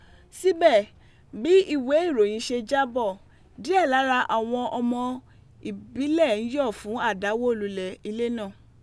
Síbẹ̀, bí ìwé ìròyìn ṣe jábọ̀, díẹ̀ lára àwọn ọmọ ìbílẹ̀ ń yọ̀ fún àdàwólulẹ̀ ilé náà.